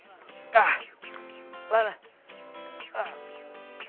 hả cảm ơn cậu